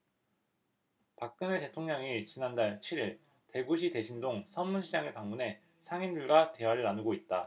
박근혜 대통령이 지난달 칠 일 대구시 대신동 서문시장을 방문해 상인들과 대화를 나누고 있다